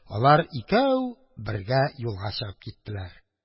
Алар икәү бергә юлга чыгып киттеләр.